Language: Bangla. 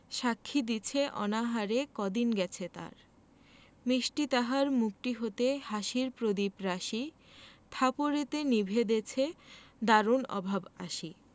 সাক্ষী দিছে অনাহারে কদিন গেছে তার মিষ্টি তাহার মুখটি হতে হাসির প্রদীপরাশি থাপড়েতে নিবিয়ে দেছে দারুণ অভাব আসি